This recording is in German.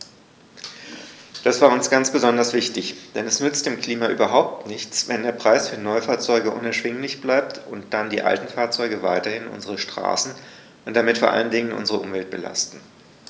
Das war uns ganz besonders wichtig, denn es nützt dem Klima überhaupt nichts, wenn der Preis für Neufahrzeuge unerschwinglich bleibt und dann die alten Fahrzeuge weiterhin unsere Straßen und damit vor allen Dingen unsere Umwelt belasten.